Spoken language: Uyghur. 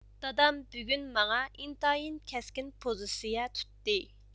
دادام بۈگۈن ماڭا ئىنتايىن كەسكىن پوزىتسىيە تۇتتى